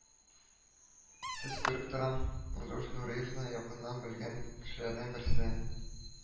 Сез, күреп торам, Рудольф Нуриевны якыннан белгән кешеләрнең берсе